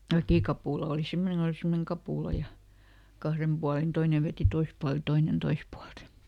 väkikapula oli semmoinen kun oli semmoinen kapula ja kahden puolin toinen veti toiselta puolelta ja toinen toiselta puolelta